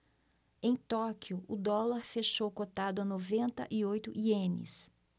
em tóquio o dólar fechou cotado a noventa e oito ienes